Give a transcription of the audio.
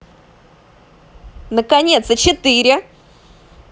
наконец а четыре